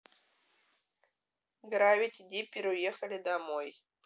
гравити диппер уехали домой